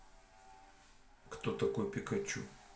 кто такой пикачу